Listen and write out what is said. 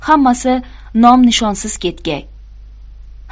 hammasi nom nishonsiz ketgay